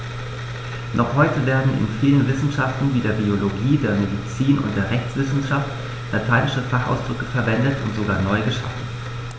Noch heute werden in vielen Wissenschaften wie der Biologie, der Medizin und der Rechtswissenschaft lateinische Fachausdrücke verwendet und sogar neu geschaffen.